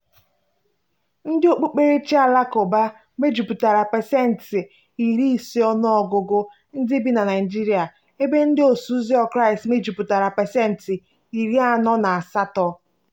Ndị okpukpere Alakụba mejupụtara pasentị 50 ọnụọgụgụ ndị bi na Naịjirịa ebe Ndị Osoụzọ Kraịstị mejupụtara pasentị 48.